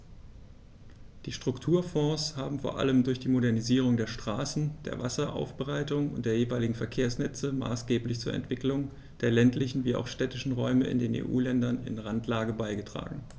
Die Strukturfonds haben vor allem durch die Modernisierung der Straßen, der Wasseraufbereitung und der jeweiligen Verkehrsnetze maßgeblich zur Entwicklung der ländlichen wie auch städtischen Räume in den EU-Ländern in Randlage beigetragen.